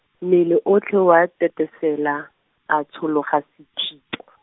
mmele otlhe wa tetesela, a tshologa sethitho.